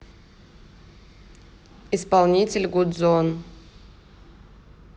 исполнитель гудзон